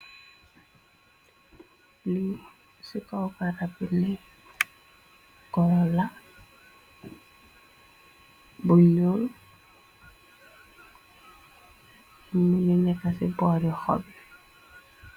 Lu ci kawkarabi na koola bu ñool mininekaci booryu xobe.